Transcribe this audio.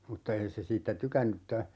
mutta ei se siitä tykännyt mutta